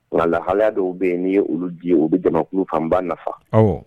Walalahaya dɔw bɛ yen n' ye olu di ye u bɛ damamankulu fanba nafa